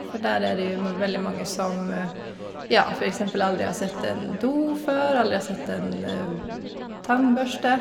For der er det jo me veldig mange som, ja, for eksempel aldri har sett en do før, aldri har sett en tannbørste.